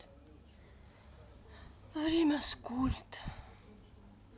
время скульт